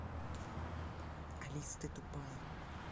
алис ты тупая